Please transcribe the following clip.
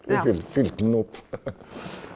vi fylte den opp .